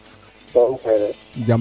jam rek